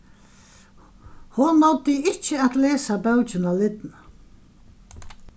hon náddi ikki at lesa bókina lidna